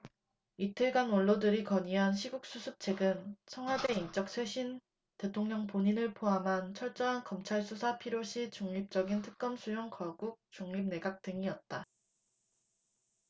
이틀간 원로들이 건의한 시국수습책은 청와대 인적 쇄신 대통령 본인을 포함한 철저한 검찰 수사 필요시 중립적인 특검 수용 거국중립내각 등이었다